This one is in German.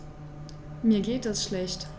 Mir geht es schlecht.